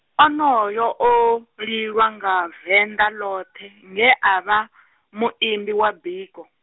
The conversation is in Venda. onoyo o, lilwa nga Venḓa ḽoṱhe nge a vha, muimbi wa biko.